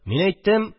Мин әйттем